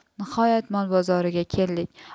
nihoyat mol bozoriga keldik